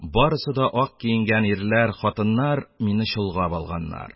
Барысы да ак киенгән ирләр, хатыннар мине чолгап алганнар.